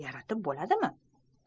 yaratib boladimi